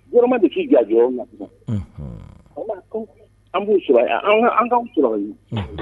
Yɔrɔma de k'i jajɛ an b'u su an'